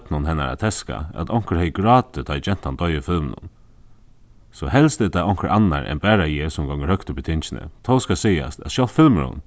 børnum hennara teskað at onkur hevði grátið tá ið gentan doyði í filminum so helst er tað onkur annar enn bara eg sum gongur høgt upp í tingini tó skal sigast at sjálvt filmurin